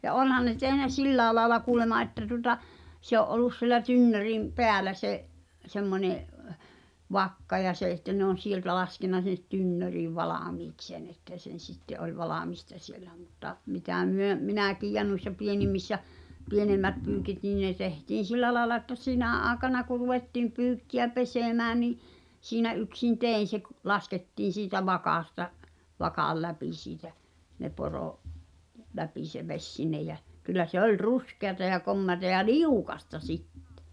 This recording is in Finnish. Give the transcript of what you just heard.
ja onhan ne tehnyt sillä lailla kuulemma että tuota se oli ollut siellä tynnyrin päällä se semmoinen vakka ja se että ne on sieltä laskenut sinne tynnyriin valmiiksi sen että sen sitten oli valmista siellä mutta mitä me minäkin ja noissa pienimmissä pienemmät pyykit niin ne tehtiin sillä lailla että sinä aikana kun ruvettiin pyykkiä pesemään niin siinä yksin tein se - laskettiin siitä vakasta vakan läpi siitä ne - läpi se vesi sinne ja kyllä se oli ruskeata ja komeata ja liukasta sitten